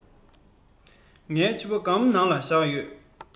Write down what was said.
ངའི ཕྱུ པ སྒམ ནང ལ བཞག ཡོད